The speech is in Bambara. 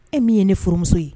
E min ye ne foromuso ye